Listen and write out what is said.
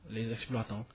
les exloitants